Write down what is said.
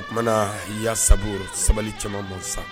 Oumana yasa sabali caman mɔn sa